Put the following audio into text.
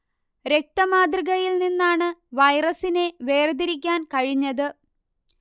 രക്ത മാതൃകയിൽ നിന്നാണ് വൈറസിനെ വേർതിരിക്കാൻ കഴിഞ്ഞത്